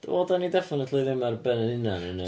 Wel, dan ni definitely ddim ar ben ein hunain yn y-.